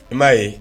I m'a ye